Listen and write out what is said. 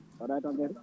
mbaɗɗa e tampere